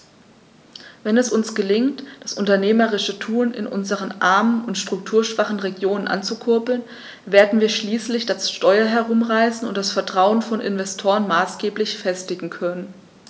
Wenn es uns gelingt, das unternehmerische Tun in unseren armen und strukturschwachen Regionen anzukurbeln, werden wir schließlich das Steuer herumreißen und das Vertrauen von Investoren maßgeblich festigen können.